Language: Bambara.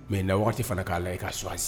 maintenant na waati fana k'a la choisis